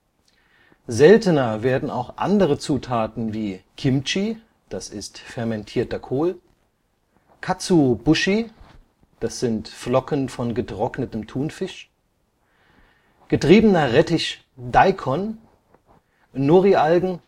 Seltener werden auch andere Zutaten wie Kimchi (fermentierter Kohl), Katsuobushi (Flocken von getrocknetem Thunfisch), geriebener Rettich Daikon, Nori-Algen